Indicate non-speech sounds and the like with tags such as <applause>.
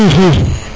<hesitation> <hesitation>